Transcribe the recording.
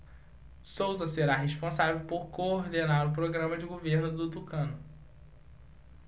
souza será responsável por coordenar o programa de governo do tucano